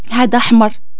هادا حمر